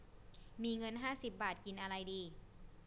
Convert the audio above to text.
มีเงินห้าสิบบาทกินอะไรดี